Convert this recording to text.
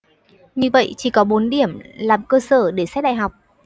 như vậy chỉ có bốn điểm làm cơ sở để xét đại học